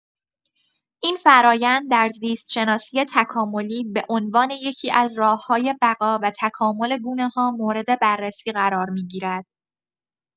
این فرآیند در زیست‌شناسی تکاملی به‌عنوان یکی‌از راه‌های بقا و تکامل گونه‌ها مورد بررسی قرار می‌گیرد.